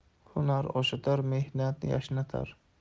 hunar oshatar mehnat yashnatar